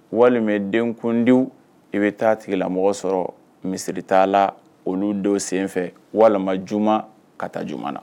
Walima denkundi i bɛ taa tigɛ la mɔgɔ sɔrɔ misiritala olu denw senfɛ walima juma ka taa j na